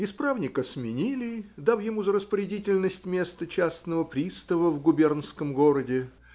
Исправника сменили, дав ему за распорядительность место частного пристава в губернском городе